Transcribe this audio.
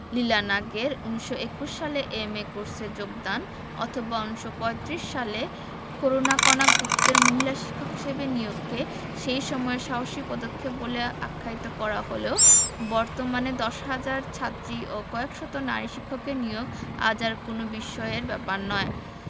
লীলা নাগের ১৯২১ সালে এম.এ কোর্সে যোগদান অথবা ১৯৩৫ সালে করুণাকণা গুপ্তের মহিলা শিক্ষক হিসেবে নিয়োগকে সেই সময়ে সাহসী পদক্ষেপ বলে আখ্যায়িত করা হলেও বর্তমানে ১০ হাজার ছাত্রী ও কয়েক শত নারী শিক্ষকের নিয়োগ আজ আর কোনো বিস্ময়ের ব্যাপার নয়